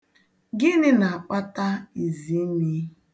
Gịnị na-akpata iziimi?